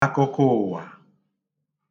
akụkụụwà